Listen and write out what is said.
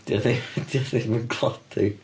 Di' o ddim, di' o ddim yn cladding.